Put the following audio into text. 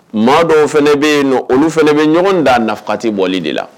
Maa dɔw fana bɛ yen nɔ ,olu fana bɛ ɲɔgɔn dan nafakati bɔlen de la.